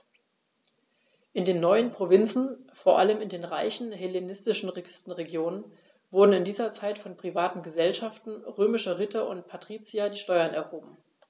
In den neuen Provinzen, vor allem in den reichen hellenistischen Küstenregionen, wurden in dieser Zeit von privaten „Gesellschaften“ römischer Ritter und Patrizier die Steuern erhoben.